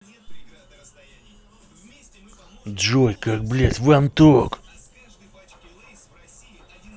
джой как блять ван ток